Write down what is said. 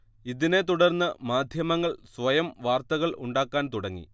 ഇതിനെ തുടർന്ന് മാധ്യമങ്ങൾ സ്വയം വാർത്തകൾ ഉണ്ടാക്കാൻ തുടങ്ങി